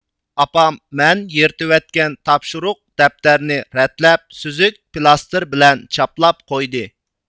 ئاپام مەن يىرتىۋەتكەن تاپشۇرۇق دەپتەرنى رەتلەپ سۈزۈك پلاستېر بىلەن چاپلاپ قويدى